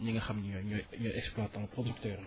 ñi nga xam ne ñoom ñooy ñooy exploitants producteurs yi